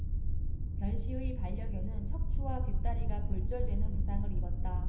변씨의 반려견은 척추와 뒷다리가 골절되는 부상을 입었다